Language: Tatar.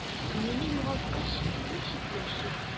Мине югалткач, ничек яши?